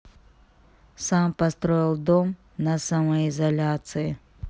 сам построил дом на самоизоляции